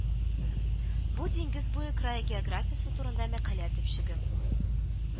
Бу Диңгез буе крае географиясе турында мәкалә төпчеге